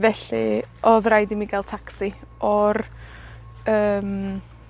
Felly, odd raid i mi ga'l tacsi o'r yym,